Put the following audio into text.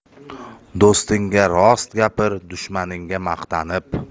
do'stingga rost gapir dushmaningga maqtanib